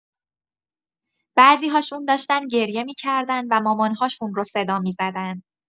بعضی‌هاشون داشتن گریه می‌کردن و مامان‌هاشون رو صدا می‌زدن.